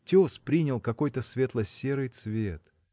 тес принял какой-то светло-серый цвет.